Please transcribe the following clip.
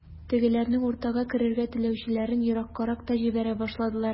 Тегеләрнең уртага керергә теләүчеләрен ераккарак та җибәрә башладылар.